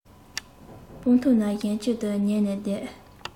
སྤང ཐང ན གན རྐྱལ དུ ཉལ ནས བསྡད